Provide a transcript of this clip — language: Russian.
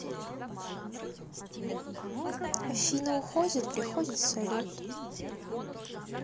афина уходит приходит салют